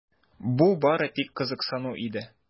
Бу бары тик кызыксыну иде.